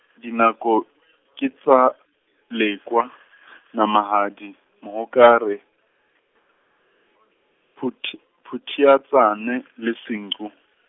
dinoka, ke tsa Lekoa, Namahadi, Mohokare, Phuthi-, Phuthiatsana le Senqu.